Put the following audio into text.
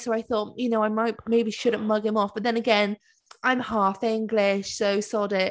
so I thought you know, I might... maybe shouldn’t mug him off, but then again I’m half English so sod it.